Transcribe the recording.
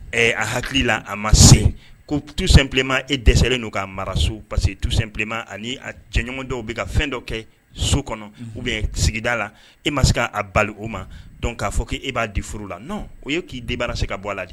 A hakili la a ma se ko tusenlema e dɛsɛlen kaa mara so parce que tusenma ani cɛɲɔgɔn dɔw bɛ ka fɛn dɔw kɛ so kɔnɔ u bɛ sigida la e ma se k'a balo o ma dɔn k'a fɔ k'e b'a di furu la o ye k'i debara se ka bɔ lajɛ